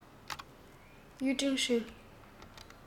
ཡུས ཀྲེང ཧྲེང